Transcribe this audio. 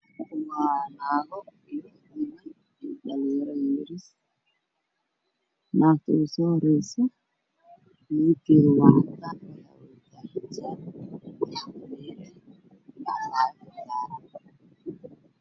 Waa dad dhalinyaro rag iyo dumar isku jiraan gabadha u soo haray ismidafkeeda waa caddaan gacanta ayey kor u taageysaa